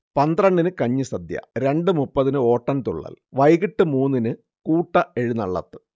പന്ത്രണ്ടിന് കഞ്ഞിസദ്യ, രണ്ടു മുപ്പത്തിന് ഓട്ടൻതുള്ളൽ, വൈകീട്ട് മൂന്നിന് കൂട്ട എഴുന്നള്ളത്ത്